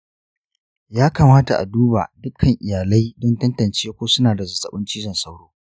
ya kamata a duba dukkan iyalai don tantance ko suna da zazzaɓin cizon sauro.